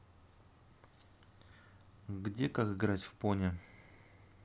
где как играть в пони